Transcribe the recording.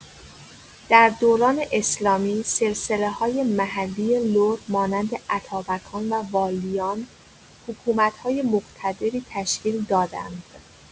در دوران اسلامی، سلسله‌های محلی لر مانند اتابکان و والیان، حکومت‌های مقتدری تشکیل دادند.